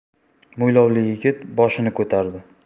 mo'ylovli yigit boshini ko'tardi